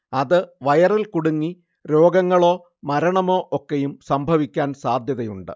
അത് വയറിൽ കുടുങ്ങി രോഗങ്ങളോ മരണമോ ഒക്കെയും സംഭവിക്കാൻ സാധ്യതയുണ്ട്